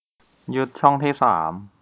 ยึดช่องที่สาม